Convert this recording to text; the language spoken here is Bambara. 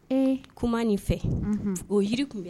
Ee kuma nin fɛ, unhun, o jiri tun bɛ